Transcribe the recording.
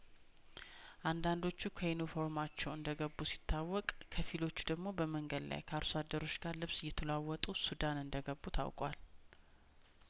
አንዳንዶቹ ከዩኒፎር ማቸው እንደገቡ ሲታወቅ ከፊሎቹ ደሞ በመንገድ ላይ ከአርሶ አደሮች ጋር ልብስ እየተለዋወጡ ሱዳን እንደገቡ ታውቋል